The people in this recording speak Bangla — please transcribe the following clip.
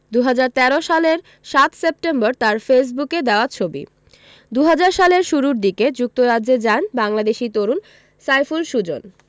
২০১৩ সালের ৭ সেপ্টেম্বর তাঁর ফেসবুকে দেওয়া ছবি ২০০০ সালের শুরু দিকে যুক্তরাজ্যে যান বাংলাদেশি তরুণ সাইফুল সুজন